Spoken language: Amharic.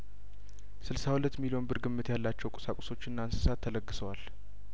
ስልሳ ሁለት ሚሊዮን ብር ግምት ያላቸው ቁሳቁሶችና እንስሳት ተለግሰዋል